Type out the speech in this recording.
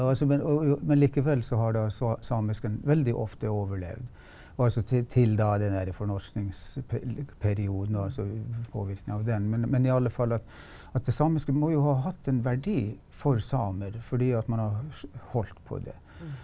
og altså men å å men likevel så har da samisken veldig ofte overlevd og altså til til da den derre fornorskingsperioden altså under påvirkning av den, men men i alle fall at at det samiske må jo ha hatt en verdi for samer fordi at man har holdt på det.